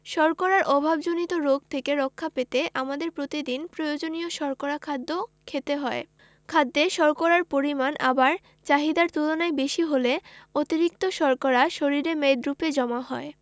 শর্করার অভাবজনিত রোগ থেকে রক্ষা পেতে আমাদের প্রতিদিন প্রয়োজনীয় শর্করা জাতীয় খাদ্য খেতে হয় খাদ্যে শর্করার পরিমাণ আবার চাহিদার তুলনায় বেশি হলে অতিরিক্ত শর্করা শরীরে মেদরুপে জমা হয়